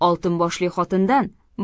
oltin boshli xotindan